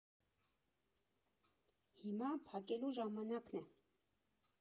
Հիմա փակելու ժամանակն է։